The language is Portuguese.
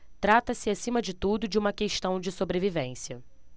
trata-se acima de tudo de uma questão de sobrevivência